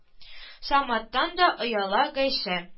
Са- маттан да ояла гайшә